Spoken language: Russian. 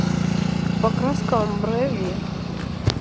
покраска омбре верх